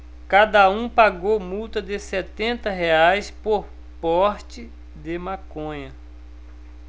cada um pagou multa de setenta reais por porte de maconha